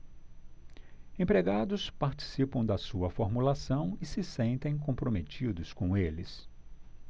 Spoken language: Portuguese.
empregados participam da sua formulação e se sentem comprometidos com eles